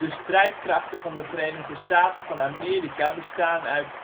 strijdkrachten van de Verenigde Staten van Amerika bestaan uit